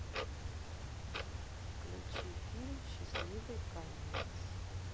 включи фильм счастливый конец